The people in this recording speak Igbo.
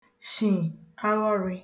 shì aghọrị̄